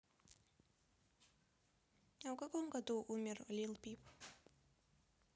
в каком году умер lil peep